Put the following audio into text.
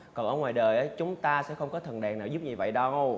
còn ở ngoài đời á chúng ta sẽ không có thần đèn nào giúp nhứ vậy đâu